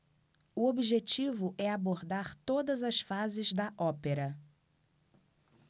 o objetivo é abordar todas as fases da ópera